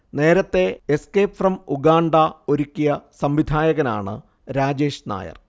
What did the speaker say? നേരത്തെ 'escape from Uganda' ഒരുക്കിയ സംവിധായകനാണ് രാജേഷ് നായർ